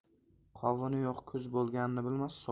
qovuni yo'q kuz bo'lganini bilmas